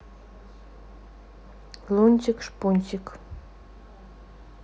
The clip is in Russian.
лунтик шпунтик